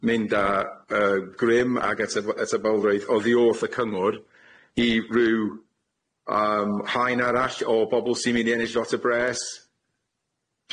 mynd a yy grym ag at yy at y balwraeth oddi wrth y cyngwr i ryw yym haen arall o bobol sy myn' i ennill lot o bres.